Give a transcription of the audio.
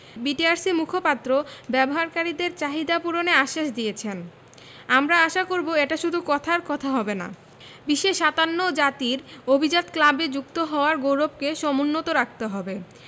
বিটিআরসির মুখপাত্র ব্যবহারকারীদের চাহিদা পূরণে আশ্বাস দিয়েছেন আমরা আশা করব এটা শুধু কথার কথা হবে না বিশ্বের ৫৭ জাতির অভিজাত ক্লাবে যুক্ত হওয়ার গৌরবকে সমুন্নত রাখতে হবে